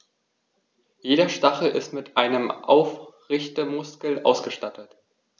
Jeder Stachel ist mit einem Aufrichtemuskel ausgestattet.